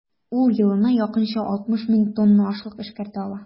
Ул елына якынча 60 мең тонна ашлык эшкәртә ала.